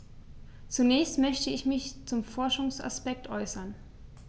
Zunächst möchte ich mich zum Forschungsaspekt äußern.